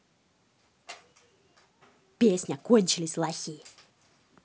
песня кончились лохи